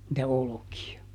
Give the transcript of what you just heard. niitä olkia